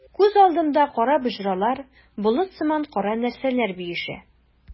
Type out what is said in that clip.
Күз алдымда кара боҗралар, болыт сыман кара нәрсәләр биешә.